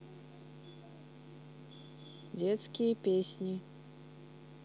детские песни